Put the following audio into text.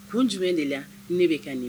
Ko jumɛn de la ne bɛ ka nin ma